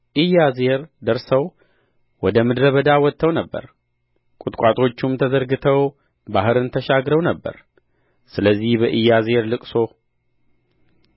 ኢያዜር ደርሰው ወደ ምድረ በዳ ወጥተው ነበር ቍጥቋጦቹም ተዘርግተው ባሕርን ተሻግረው ነበር ስለዚህ በኢያዜር ልቅሶ